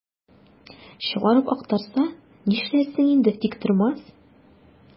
Чыгарып актарса, нишләрсең инде, Тиктормас?